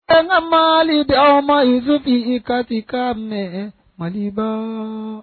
An ka Malidenw aw ma Isufi kasikan mɛn maliba.